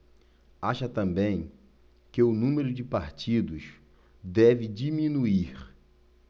acha também que o número de partidos deve diminuir